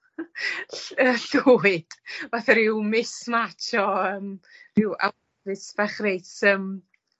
ll- yy llwyd, fatha ryw mismatch o yym ryw outfit bach reit yym